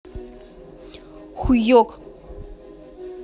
хуек